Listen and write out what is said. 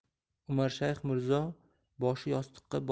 umarshayx mirzo boshi yostiqqa